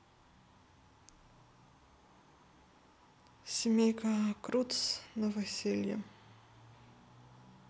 семейка крудс новоселье